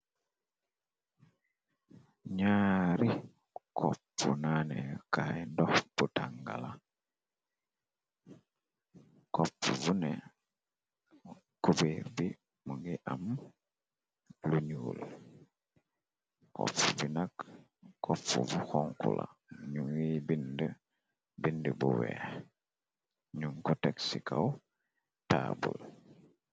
Ñaari koppu naane kaay ndox bu tangala, kopp bune, kuber bi mu ngi am lu ñuul. Koppu binag kopp bu xonxu la ñu ngi bind, bind bu weex, ñunko teg ci kaw taabul.